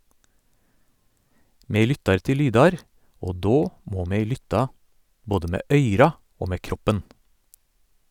Me lyttar til lydar, og då må me lytta både med øyra og med kroppen.